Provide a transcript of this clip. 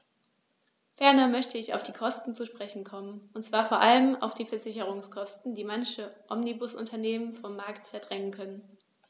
Ferner möchte ich auf die Kosten zu sprechen kommen, und zwar vor allem auf die Versicherungskosten, die manche Omnibusunternehmen vom Markt verdrängen könnten.